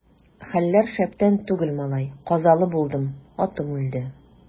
Хәлләр шәптән түгел, малай, казалы булдым, атым үлде.